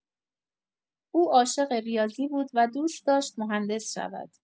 او عاشق ریاضی بود و دوست داشت مهندس شود.